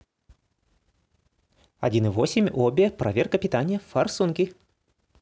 один и восемь обе проверка питания форсунки